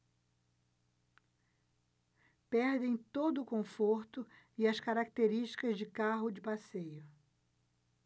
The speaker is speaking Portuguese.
perdem todo o conforto e as características de carro de passeio